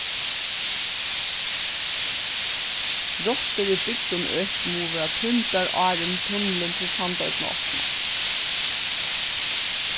rottur í bygdum øki mugu verða týndar áðrenn tunnilin til sandoynna opnar